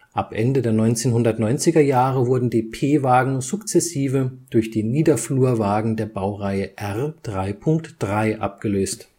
Ab Ende der 1990er-Jahre wurden die P-Wagen sukzessive durch die Niederflurwagen der Baureihe R 3.3 abgelöst